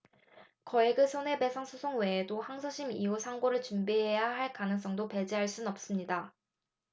거액의 손해배상 소송 외에도 항소심 이후 상고를 준비해야 할 가능성도 배제할 순 없습니다